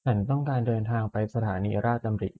ฉันต้องการเดินทางไปสถานีราชดำริ